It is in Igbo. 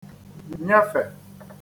nyefè